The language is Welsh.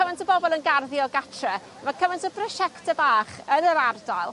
Cymaint o bobol yn garddio gatre ma' cymaint o brosiecte bach yn yr ardal